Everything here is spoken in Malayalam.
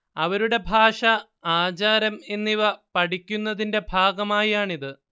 അവരുടെ ഭാഷ, ആചാരം എന്നിവ പഠിക്കുന്നതിന്റെ ഭാഗമായാണിത്